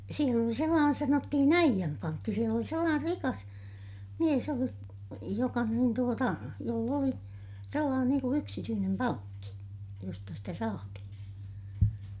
siellä oli sellainen sanottiin äijänpankki siellä oli sellainen rikas mies oli joka niin tuota jolla oli sellainen niin kuin yksityinen pankki josta sitä saatiin